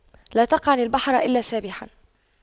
لا تقعن البحر إلا سابحا